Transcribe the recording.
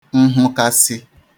nhụkasị̄